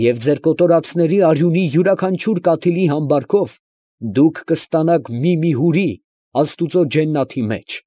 Եվ ձեր կոտորածների արյունի յուրաքանչյուր կաթիլի համբարքով դուք կստանաք մի֊մի հուրի աստուծո ջեննաթի մեջ։